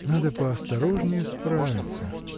— Надо поосторожнее справиться!.